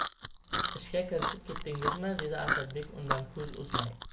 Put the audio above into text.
ishga kirishib ketdingizmi dedi asadbek undan ko'z uzmay